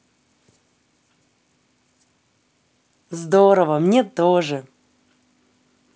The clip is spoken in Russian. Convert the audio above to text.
здорово мне тоже